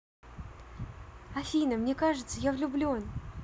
афина мне кажется я влюблен